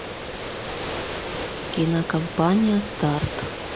кинокомпания старт